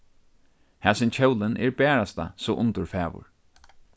hasin kjólin er barasta so undurfagur